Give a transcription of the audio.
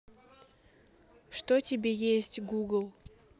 что тебе есть google